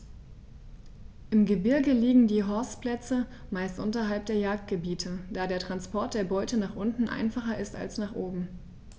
Im Gebirge liegen die Horstplätze meist unterhalb der Jagdgebiete, da der Transport der Beute nach unten einfacher ist als nach oben.